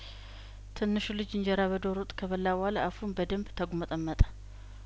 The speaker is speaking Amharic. ትንሹ ልጅ እንጀራ በዶሮ ወጥ ከበላ በኋላ አፉን በደምብ ተጉመጠመጠ